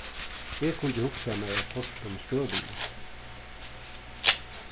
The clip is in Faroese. eg kundi hugsað mær at hoyrt um støðuna